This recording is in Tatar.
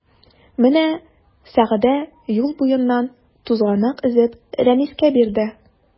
Менә Сәгъдә юл буеннан тузганак өзеп Рәнискә бирде.